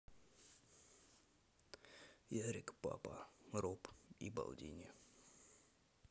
ярик папа роб и балди